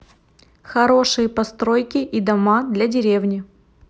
хорошие постройки и дома для деревни